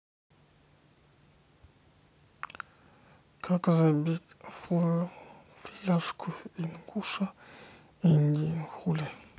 как забить фляжку ингуша индии хули